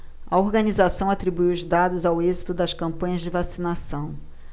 a organização atribuiu os dados ao êxito das campanhas de vacinação